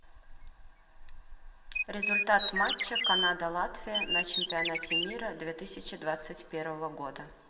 результат матча канада латвия на чемпионате мира две тысячи двадцать первого года